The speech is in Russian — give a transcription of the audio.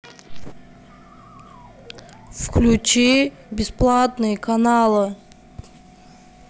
включи бесплатные каналы